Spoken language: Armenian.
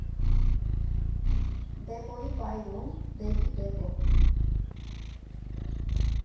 Դեպոյի վայրում Դեպի Դեպո։